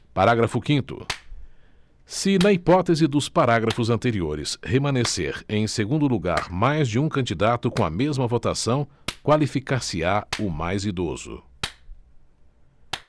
parágrafo quinto se na hipótese dos parágrafos anteriores remanescer em segundo lugar mais de um candidato com a mesma votação qualificar se á o mais idoso